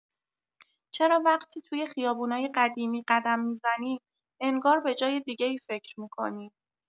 چرا وقتی توی خیابونای قدیمی قدم می‌زنیم، انگار به‌جای دیگه‌ای فکر می‌کنی؟